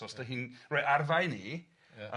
so os dy hi'n rhoi arfau i ni... Ia...